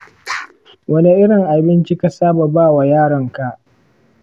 wane irin abinci ka saba ba wa yaronka?